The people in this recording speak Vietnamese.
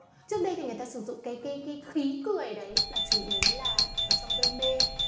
trước đây người ta sử dụng cái khí cười ấy chủ yếu là trong gây mê